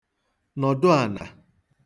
nọ̀dụ ànà